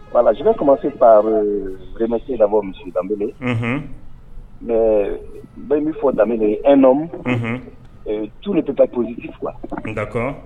La sokɛ kama se baa denmisɛnsi labɔ misi danbeb ba in bɛ fɔ daminɛ e n nɔ tu de tɛ taa tosi qu